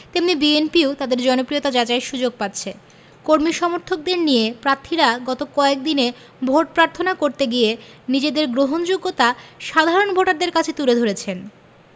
তেমনি বিএনপিও তাদের জনপ্রিয়তা যাচাইয়ের সুযোগ পাচ্ছে কর্মী সমর্থকদের নিয়ে প্রার্থীরা গত কয়েক দিনে ভোট প্রার্থনা করতে গিয়ে নিজেদের গ্রহণযোগ্যতা সাধারণ ভোটারদের কাছে তুলে ধরেছেন